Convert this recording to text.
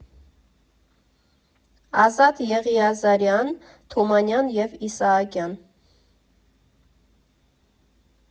Ազատ Եղիազարյան «Թումանյան և Իսահակյան.